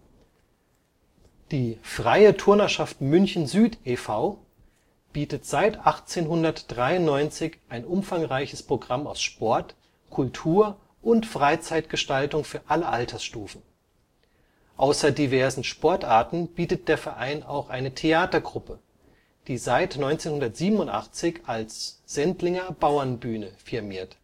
Die Freie Turnerschaft München-Süd e. V. bietet seit 1893 ein umfangreiches Programm aus Sport, Kultur und Freizeitgestaltung für alle Altersstufen. Außer diversen Sportarten bietet der Verein auch eine Theatergruppe, die seit 1987 als Sendlinger Bauernbühne firmiert